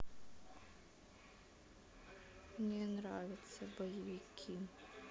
мне нравятся боевики